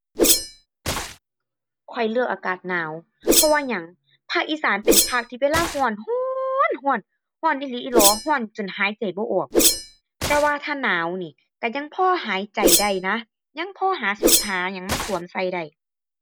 ข้อยเลือกอากาศหนาว เพราะว่าหยังภาคอีสานเป็นภาคที่เวลาร้อน ร้อนร้อน ร้อนอีหลีอีหลอ ร้อนจนหายใจบ่ออก แต่ว่าถ้าหนาวนี่ร้อนยังพอหายใจได้นะ ยังพอหาร้อนหาหยังมาสวมใส่ได้